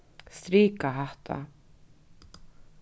strika hatta